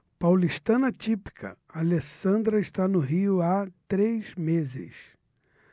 paulistana típica alessandra está no rio há três meses